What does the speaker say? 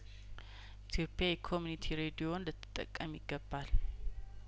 ኢትዮጵያ የኮሙኒቲ ሬዲዮን ልትጠቀም ይገባል